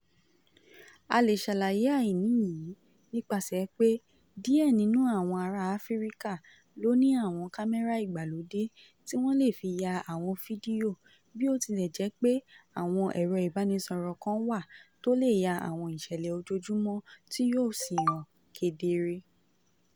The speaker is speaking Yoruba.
A lè ṣàlàyé àìní yií nípasẹ̀ pé díẹ̀ nínú àwọn ará Áfíríkà ló ní àwọn kámérà ìgbàlódé tí wọ́n le fi ya àwọn fídíò, bí ó tilẹ̀ jẹ́ pé àwọn ẹ̀rọ ìbánisọ̀rọ̀ kan wà tó lè ya àwọn ìṣẹ̀lẹ̀ ojoojúmọ tí yóò sì hàn kedere.